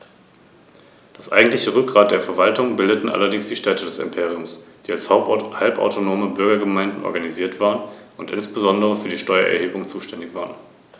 Auffallend ist neben der für Adler typischen starken Fingerung der Handschwingen der relativ lange, nur leicht gerundete Schwanz.